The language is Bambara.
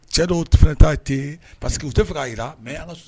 Cɛ dɔw fana taa pa u tɛ fɛ'a jira